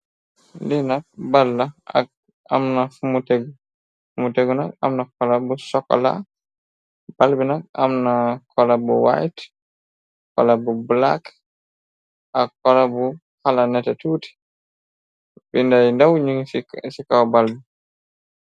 Li nak bala ak amna fumu tek fumu tegu nak amna kola bu sokolaa baal bi nak amna kola bu white kola bu black ak kola bu xala nete tuuti bi nday ndaw nyun ci kaw baal bi.